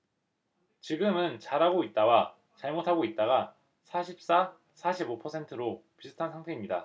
지금은 잘하고 있다와 잘못하고 있다가 사십 사 사십 오 퍼센트로 비슷한 상태입니다